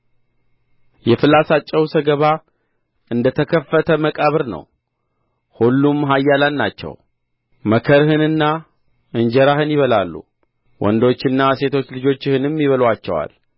የፍላጻቸውም ሰገባ እንደ ተከፈተ መቃብር ነው ሁሉም ኃያላን ናቸው መከርህንና እንጀራህን ይበላሉ ወንዶችና ሴቶች ልጆችህንም ይበሉአቸዋል